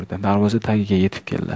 darvoza tagida yetib oldi